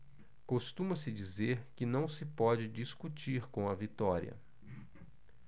costuma-se dizer que não se pode discutir com a vitória